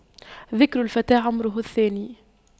ذكر الفتى عمره الثاني